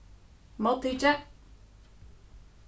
móttikið